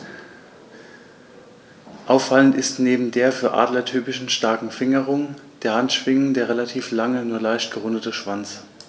Auffallend ist neben der für Adler typischen starken Fingerung der Handschwingen der relativ lange, nur leicht gerundete Schwanz.